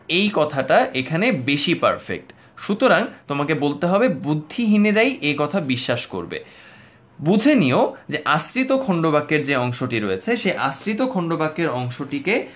এই কথাটা এখানে বেশি পারফেক্ট সুতরাং তোমাকে বলতে হবে বুদ্ধিহীনরাই একথা বিশ্বাস করবে বুঝে নিও যে আশ্রিত খন্ড বাক্যের যে অংশটি রয়েছে সে আছে তো খন্ড বাক্যের অংশ টিকে